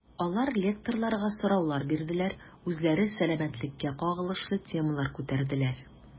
Алар лекторларга сораулар бирделәр, үзләре сәламәтлеккә кагылышлы темалар күтәрделәр.